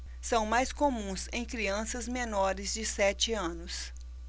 são mais comuns em crianças menores de sete anos